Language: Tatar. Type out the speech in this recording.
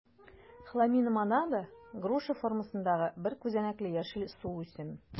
Хламидомонада - груша формасындагы бер күзәнәкле яшел суүсем.